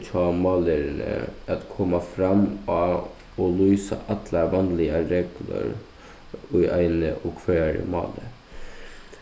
hjá mállæruni at koma fram á og lýsa allar vanligar reglur í eini og hvørjari máli